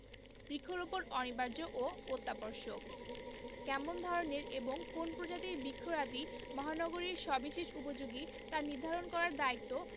বৃক্ষরোপণ অপরিহার্য ও অত্যাবশ্যক কেমন ধরনের এবং কোন প্রজাতির বৃক্ষরাজি মহানগরীর সবিশেষ উপযোগী তা নির্ধারণ করার দায়িত্ব